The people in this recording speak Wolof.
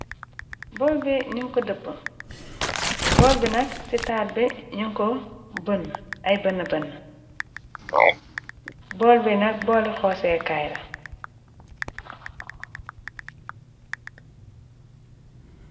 Bool bi nu ko dëpp bool bi nak ci taar be nu ko bënn ay ben ben bool bi nak boole xoosee kaay la.